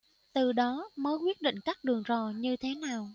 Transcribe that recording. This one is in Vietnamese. từ đó mới quyết định cắt đường rò như thế nào